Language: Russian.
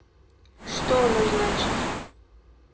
что оно значит